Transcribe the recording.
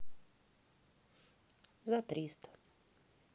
за триста